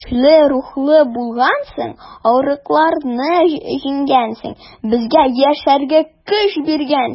Көчле рухлы булгансың, авырлыкларны җиңгәнсең, безгә яшәргә көч биргәнсең.